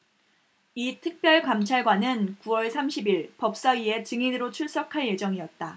이 특별감찰관은 구 월 삼십 일 법사위에 증인으로 출석할 예정이었다